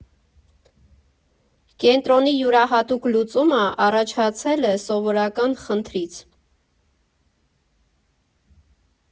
Կենտրոնի յուրահատուկ լուծումը առաջացել է սովորական խնդրից։